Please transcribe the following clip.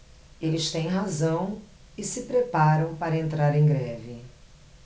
eles têm razão e se preparam para entrar em greve